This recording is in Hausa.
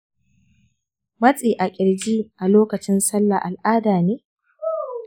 matsi a kirji a lokacin sallah al'ada ne?